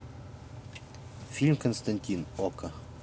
фильм константин окко